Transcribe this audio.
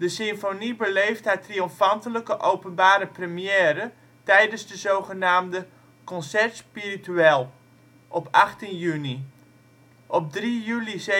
symfonie beleeft haar triomfantelijke openbare première tijdens de zogenaamde Concerts Spirituels op 18 juni. Op 3 juli 1778